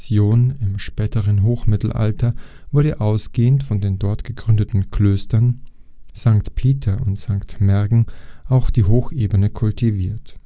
im späteren Hochmittelalter wurde ausgehend von den dort gegründeten Klöstern (St. Peter, St. Märgen) auch die Hochebene kultiviert